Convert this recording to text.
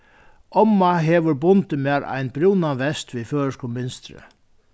omma hevur bundið mær ein brúnan vest við føroyskum mynstri